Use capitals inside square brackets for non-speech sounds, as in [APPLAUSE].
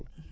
[HESITATION] [HESITATION]